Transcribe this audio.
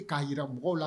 K'a jira mɔgɔw la